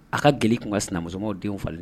A ka deli tun ka namusomaw den falen